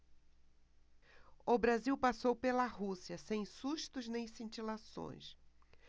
o brasil passou pela rússia sem sustos nem cintilações